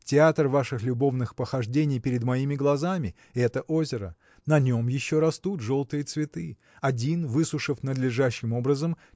Театр ваших любовных похождений перед моими глазами – это озеро. На нем еще растут желтые цветы один высушив надлежащим образом